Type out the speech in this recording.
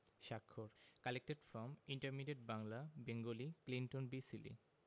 স্বাক্ষর collected from intermediate Bangla Bengali Clinton be Seely